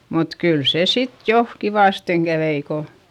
mutta kyllä se sitten jo kivasti kävi kun